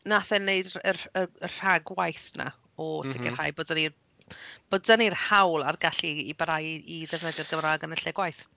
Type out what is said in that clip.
Wnaeth e wneud yr yr yr y rhagwaith 'na o... m-hm. ...sicrhau bod 'da ni'r ... bod 'da ni'r hawl a'r gallu i i barhau i i ddefnyddio'r Gymraeg yn y lle gwaith.